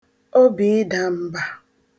obìịdàm̀bà